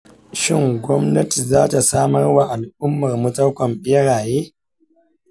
shin gwamnati za ta samar wa al’ummarmu tarkon beraye?